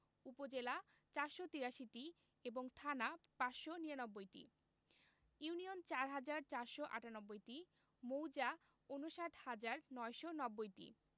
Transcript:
উপজেলা ৪৮৩টি এবং থানা ৫৯৯টি ইউনিয়ন ৪হাজার ৪৯৮টি মৌজা ৫৯হাজার ৯৯০টি